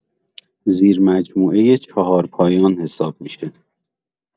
زیرمجموعه چهارپایان حساب می‌شه